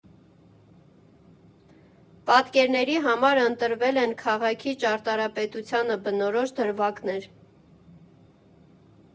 Պատկերների համար ընտրվել են քաղաքի ճարտարապետությանը բնորոշ դրվագներ.